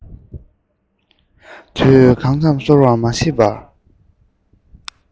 དུས གང ཙམ སོང བ མ ཤེས པར